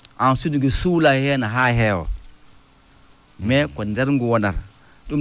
ensuite suula heen haa heewa mais ko ndeer ngu wonata